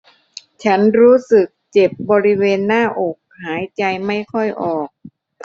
ฉันรู้สึกเจ็บบริเวณหน้าอกหายใจไม่ค่อยออก